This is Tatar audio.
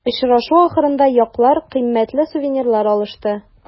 Очрашу ахырында яклар кыйммәтле сувенирлар алышты.